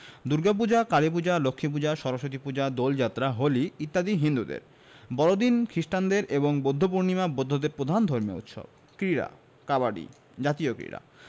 দুর্গাপূজা কালীপূজা লক্ষ্মীপূজা সরস্বতীপূজা দোলযাত্রা হোলি ইত্যাদি হিন্দুদের বড়দিন খ্রিস্টানদের এবং বৌদ্ধপূর্ণিমা বৌদ্ধদের প্রধান ধর্মীয় উৎসব ক্রীড়াঃ কাবাডি জাতীয় ক্রীড়া